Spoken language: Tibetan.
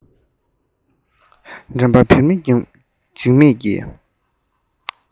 འདྲེན པ བེ རི འཇིགས མེད ཀྱིས